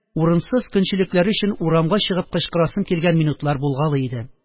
Урынсыз көнчелекләре өчен урамга чыгып кычкырасым килгән минутлар булгалый иде